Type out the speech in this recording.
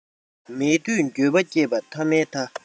མེད དུས འགྱོད པ སྐྱེས པ ཐ མའི ཐ